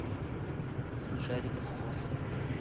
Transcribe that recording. смешарики спорт